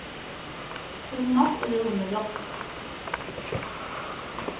tummas og rúni játta